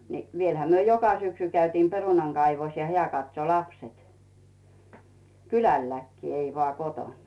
niin vielähän me joka syksy käytiin perunan kaivussa ja hän katsoi lapset kylälläkin ei vain kotona